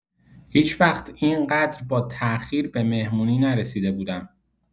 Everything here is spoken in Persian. هیچ‌وقت اینقدر با تاخیر به مهمونی نرسیده بودم!